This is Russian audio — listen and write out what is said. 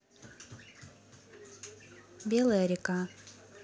белая река